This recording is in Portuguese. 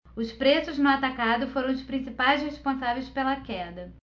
os preços no atacado foram os principais responsáveis pela queda